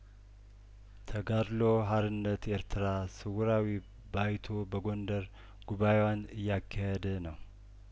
ተጋድሎ ሀርነት ኤርትራ ስውራዊ ባይቶ በጐንደር ጉባኤዋን እያካሄደ ነው